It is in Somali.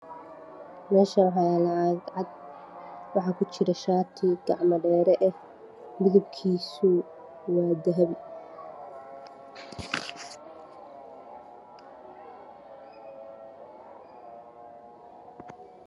Meshaan waxa yaalo caag cad waxa ku jira shaati gacma dheera ah midabkiisa waa dahabi